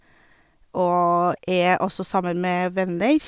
Og er også sammen med venner.